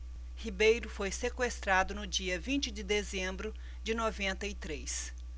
ribeiro foi sequestrado no dia vinte de dezembro de noventa e três